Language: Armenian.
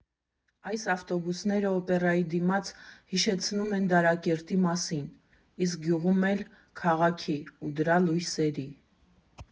Այս ավտոբուսները Օպերայի դիմաց հիշեցնում են Դարակերտի մասին, իսկ գյուղում էլ՝ քաղաքի ու դրա լույսերի։